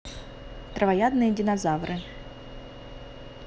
травоядные динозавры